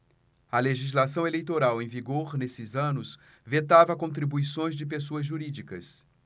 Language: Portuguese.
a legislação eleitoral em vigor nesses anos vetava contribuições de pessoas jurídicas